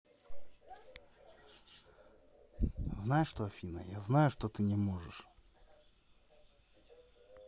знаешь что афина я знаю что ты не можешь